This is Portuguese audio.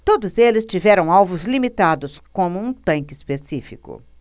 todos eles tiveram alvos limitados como um tanque específico